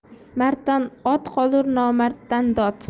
marddan ot qolur nomarddan dod